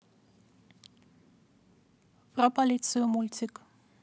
про полицию мультик